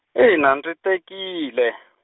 ina dzi tekile.